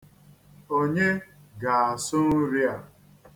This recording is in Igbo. Onye ga-asụ nri a?